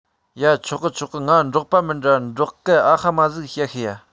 ཡ ཆོག གི ཆོག གི ང འབྲོག པ མིན དྲ འབྲོག སྐད ཨ ཧ མ ཟིག བཤད ཤེས